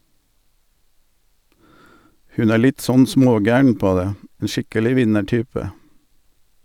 Hun er litt sånn smågæren på det, en skikkelig vinnertype.